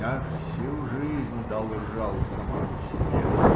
Я всю жизнь должал самому себе.